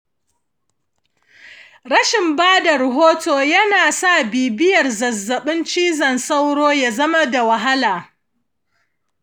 rashin bada rahoto yana sa bibiyar zazzaɓin cizon sauro ya zama da wahala.